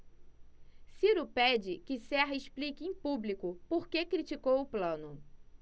ciro pede que serra explique em público por que criticou plano